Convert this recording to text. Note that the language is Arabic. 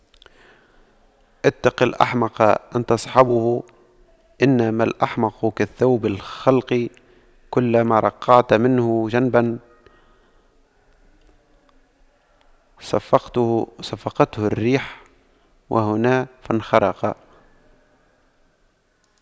اتق الأحمق أن تصحبه إنما الأحمق كالثوب الخلق كلما رقعت منه جانبا صفقته الريح وهنا فانخرق